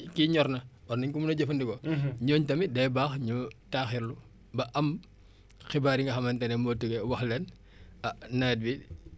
ñooñu tamit day baax ñu taaxirlu ba am xibaar yi nga xamante ne moo wax leen ah nawet bi jeex na wala jeexul